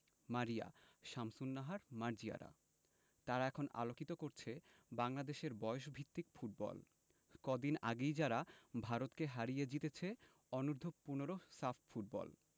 মারিয়া শামসুন্নাহার মার্জিয়ারা তারা এখন আলোকিত করছে বাংলাদেশের বয়সভিত্তিক ফুটবল কদিন আগেই যারা ভারতকে হারিয়ে জিতেছে অনূর্ধ্ব ১৫ সাফ ফুটবল